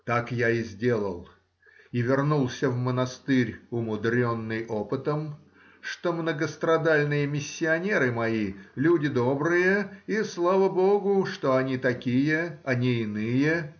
Так я и сделал — и вернулся в монастырь умудренный опытом, что многострадальные миссионеры мои люди добрые и слава богу, что они такие, а не иные.